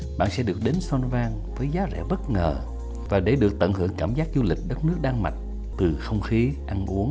bạn sẽ được đến son vang với giá rẻ bất ngờ và để được tận hưởng cảm giác du lịch đất nước đan mạch từ không khí ăn uống